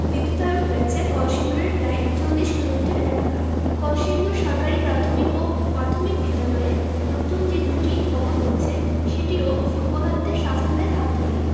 বিদ্যুতায়ন হয়েছে কলসিন্দুরের প্রায় ৪০ কিলোমিটার এলাকা কলসিন্দুর সরকারি প্রাথমিক ও মাধ্যমিক বিদ্যালয়ে নতুন যে দুটি ভবন হচ্ছে সেটিও ফুটবলারদের সাফল্যের হাত ধরেই